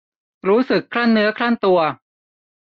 รู้สึกครั่นเนื้อครั่นตัว